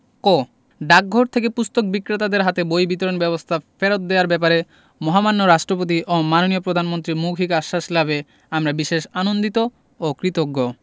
ক ডাকঘর থেকে পুস্তক বিক্রেতাদের হাতে বই বিতরণ ব্যবস্থা ফেরত দেওয়ার ব্যাপারে মহামান্য রাষ্টপতি ও মাননীয় প্রধানমন্ত্রীর মৌখিক আশ্বাস লাভে আমরা বিশেষ আনন্দিত ও কৃতজ্ঞ